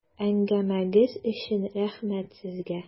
Әңгәмәгез өчен рәхмәт сезгә!